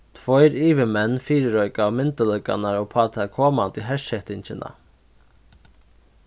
tveir yvirmenn fyrireikaðu myndugleikarnar upp á ta komandi hersetingina